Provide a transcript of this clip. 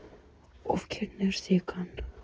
Ովքեր ներս եկան։